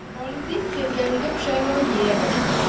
xolidiy kelganiga pushaymon yeya boshladi